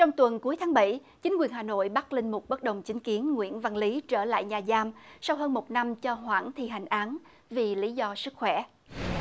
trong tuần cuối tháng bảy chính quyền hà nội bắt linh mục bất đồng chính kiến nguyễn văn lý trở lại nhà giam sau hơn một năm cho hoãn thi hành án vì lý do sức khỏe